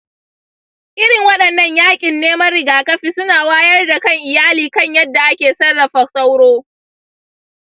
irin waɗannan yaƙin neman rigakafi suna wayar da kan iyalai kan yadda ake sarrafa sauro.